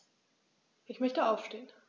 Ich möchte aufstehen.